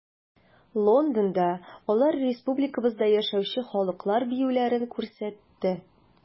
Лондонда алар республикабызда яшәүче халыклар биюләрен күрсәтте.